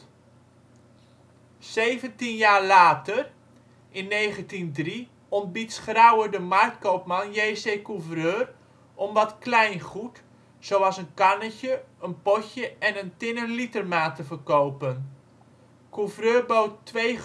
Zeventien jaar later, in 1903, ontbiedt Schrauer de marktkoopman J.C. Couvreur om wat kleingoed, zoals een kannetje, een potje en een tinnen litermaat te verkopen. Couvreur bood ƒ 2,50